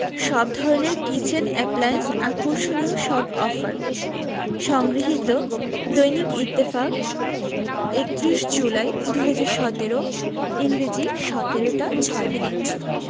সব ধরনের kitchen appliance আকর্ষণীয় সব অফার সংগৃহীত দৈনিক ইত্তেফাক ৩১ জুলাই ২০১৭ ইংরেজি ১৭ টা ৬ মিনিট